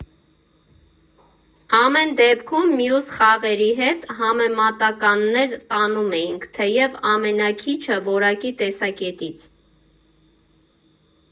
Ամեն դեպքում, մյուս խաղերի հետ համեմատականներ տանում էինք, թեև ամենաքիչը՝ որակի տեսակետից։